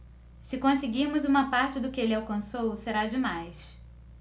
se conseguirmos uma parte do que ele alcançou será demais